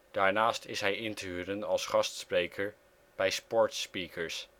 Daarnaast is hij in te huren als gastspreker bij SportsSpeakers